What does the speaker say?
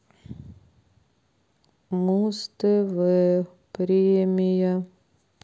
муз тв премия